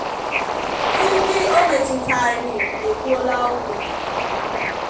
Ndị o metụtaghị ekwuola okwu